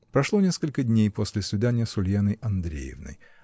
Прошло несколько дней после свидания с Ульяной Андреевной.